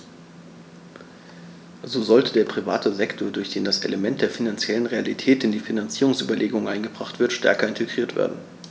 So sollte der private Sektor, durch den das Element der finanziellen Realität in die Finanzierungsüberlegungen eingebracht wird, stärker integriert werden.